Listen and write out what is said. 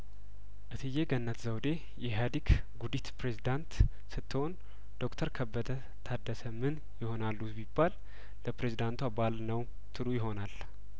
እትዬ ገነት ዘውዴ የኢሀዲግ ጉዲት ፕሬዝዳንት ስትሆን ዶክተር ከበደ ታደሰምን ይሆናሉ ቢባል ለፕሬዝዳንቷባል ነው ትሉ ይሆናል